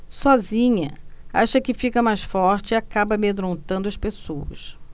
sozinha acha que fica mais forte e acaba amedrontando as pessoas